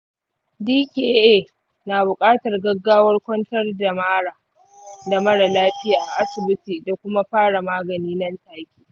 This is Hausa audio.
dka na buƙatar gaggawar kwantar da mara lafiya a asibiti da kuma fara magani nan take.